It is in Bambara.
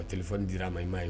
O tɛ fɔ dira a ma i maa ye